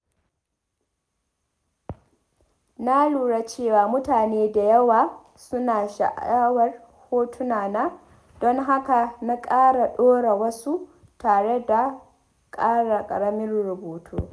Na lura cewa mutane da yawa suna sha’awar hotuna na, don haka na ƙara ɗora wasu, tare da ƙara ƙaramin rubutu.